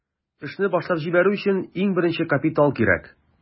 Эшне башлап җибәрү өчен иң беренче капитал кирәк.